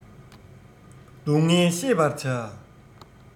སྡུག བསྔལ ཤེས པར བྱ